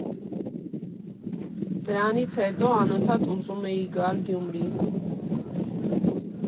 Դրանից հետո անընդհատ ուզում էի գալ Գյումրի։